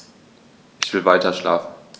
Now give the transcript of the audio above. Ich will weiterschlafen.